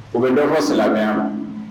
U bɛdɔn silamɛ wa